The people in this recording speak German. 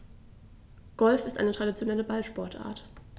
Golf ist eine traditionelle Ballsportart.